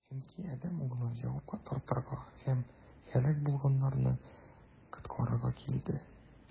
Чөнки Адәм Углы җавапка тартырга һәм һәлак булганнарны коткарырга килде.